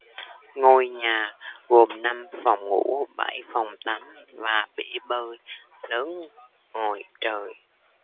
ngôi nhà gồm năm phòng ngủ bảy phòng tắm và bể bơi lớn ngoài trời